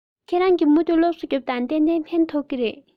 ཁྱེད རང གིས མུ མཐུད སློབ གསོ རྒྱོབས དང གཏན གཏན ཕན ཐོགས ཀྱི རེད